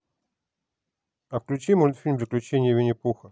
а включи мультфильм приключения винни пуха